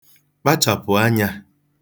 kpachàpụ̀ anyā